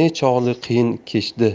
nechog'li qiyin kechdi